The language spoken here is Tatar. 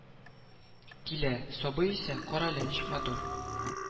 Килә, сабый исә: карале, ничек матур